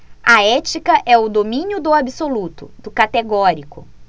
a ética é o domínio do absoluto do categórico